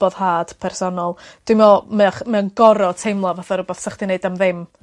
boddhad personol dwi me'wl mae o ch- mae o'n gor'o' teimlo fatha rywbath sa chdi'n neud am ddim.